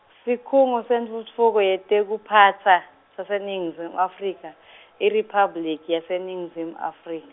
sikhungo sentfutfuko yetekuphatsa , saseNingizimu Afrika, IRiphabliki yaseNingizimu Afrik-.